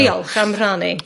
Diolch am rhannu.